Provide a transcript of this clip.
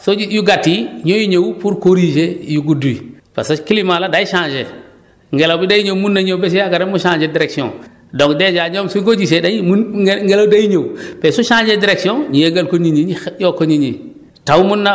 te chaque fois feeñit yu gàtt yi ñooy ñëw pour corriger yu gudd yi parce que climat la day changer ngelaw bi day ñëw mun na ñëw ba si yàgg rek mu changer direction donc dèjà ñoom su ñu ko gisee dañuy mun ngelaw day ñëw te su changé direction ñu yëgal ko nit ñi ñu xa jox ko nit ñi